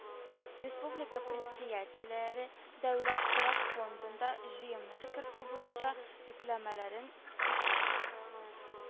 Республика предприятиеләре Дәүләт торак фондына җыемнар кертү буенча йөкләмәләрен үти